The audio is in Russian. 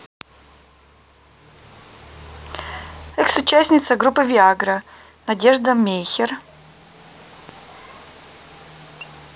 экс участница группы виагра надежда мейхер